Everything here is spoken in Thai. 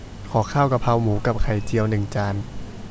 ขอข้าวกะเพราหมูกับไข่เจียวหนึ่งจาน